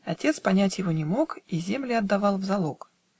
Отец понять его не мог И земли отдавал в залог.